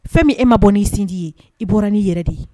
Fɛn min e ma bɔ n' sindi ye i bɔra'i yɛrɛ de ye